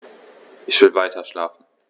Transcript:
Ich will weiterschlafen.